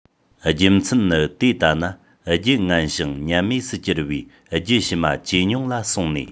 རྒྱུ མཚན ནི དེ ལྟ ན རྒྱུད ངན ཞིང ཉམ དམས སུ གྱུར པའི རྒྱུད ཕྱི མ ཇེ ཉུང ལ སོང ནས